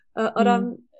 O o ran